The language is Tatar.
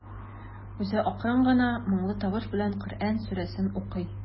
Үзе акрын гына, моңлы тавыш белән Коръән сүрәсен укый.